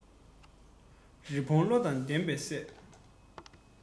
རི བོང བློ དང ལྡན པས བསད